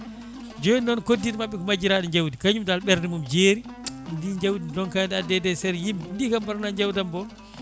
joni noon koddiɗo mabɓe ko majjiraɗo jawdi kañum daal ɓernde mum jeeri ndi jawdi donkadi addede e saara yimɓe ndi kaam koori woona jawdam boom